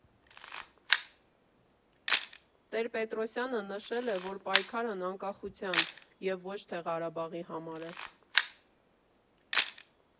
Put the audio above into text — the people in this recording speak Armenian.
Տեր֊֊Պետրոսյանը նշել է, որ պայքարն անկախության, և ոչ թե Ղարաբաղի համար է։